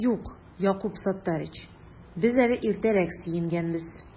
Юк, Якуб Саттарич, без әле иртәрәк сөенгәнбез